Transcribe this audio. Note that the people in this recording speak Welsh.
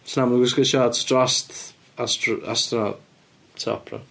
Os na bod nhw gwisgo siorts drost astro- astro- top nhw.